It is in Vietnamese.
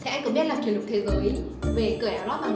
thế anh có biết là kỉ lục thế giới về cởi